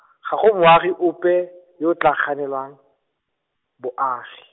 ga go moagi ope, yo o tla ganelwang, boagi.